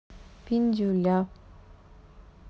пиндюля